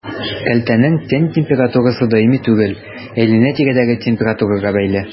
Кәлтәнең тән температурасы даими түгел, әйләнә-тирәдәге температурага бәйле.